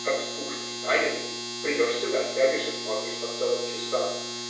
Как скучно станет - придешь сюда, сядешь и смотришь по целым часам.